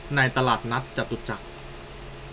ในตลาดนัดจตุจักร